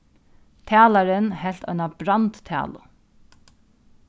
talarin helt eina brandtalu